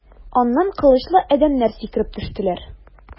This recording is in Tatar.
Аннан кылычлы адәмнәр сикереп төштеләр.